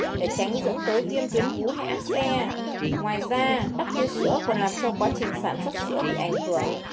để tránh dẫn tới viêm tuyến vú hay áp xe ngoài ra tắc tia sữa còn làm cho quá trình sản xuất sữa bị ảnh hưởng